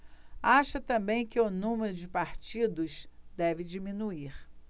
acha também que o número de partidos deve diminuir